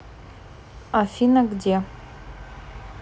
афина где